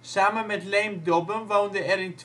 Samen met Leemdobben woonden er in